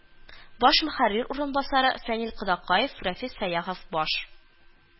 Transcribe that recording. Баш мөхәррир урынбасары, фәнил кодакаев, рәфис сәяхов баш